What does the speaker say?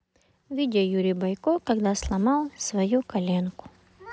видео юрий бойко когда сломал свою коленку